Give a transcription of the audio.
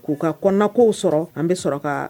K'u ka kɔnko sɔrɔ an bɛ sɔrɔ